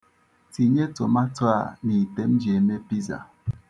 Tinye tomato a n'ite m ji eme Piza.